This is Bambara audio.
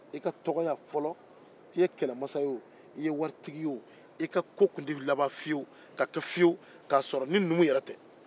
e ka tɔgɔya fɔlɔ e ye kɛlɛmasa ye wo e ye waritigi ye wo e ka ko tun tɛ laban ka kɛ fiyewu ka sɔrɔ ni numu yɛrɛ tɛ